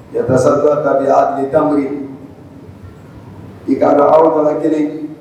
Ya sa ka'muru i ka dɔn alakala kelen